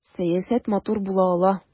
Сәясәт матур була ала!